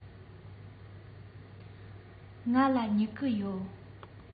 ང ལ སྨྱུ གུ ཡོད